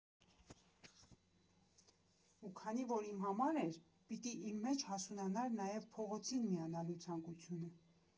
Ու քանի որ իմ համար էր, պիտի իմ մեջ հասունանար նաև փողոցին միանալու ցանկությունը։